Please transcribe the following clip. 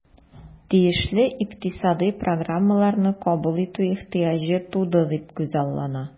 Тиешле икътисадый программаларны кабул итү ихтыяҗы туды дип күзаллана.